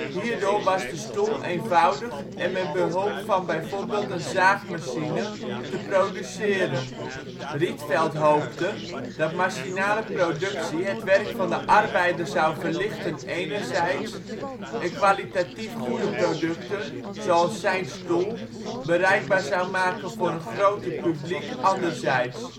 Hierdoor was de stoel eenvoudig met behulp van bijvoorbeeld een zaagmachine te produceren. Rietveld hoopte dat machinale productie het werk van de arbeider zou verlichten enerzijds en kwalitatief goede producten (zoals zijn stoel) bereikbaar zou maken voor een groter publiek anderzijds